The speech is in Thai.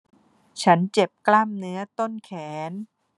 ฉันเจ็บกล้ามเนื้อต้นแขน